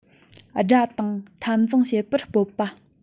དགྲ དང འཐབ འཛིང བྱེད པར སྤོབས པ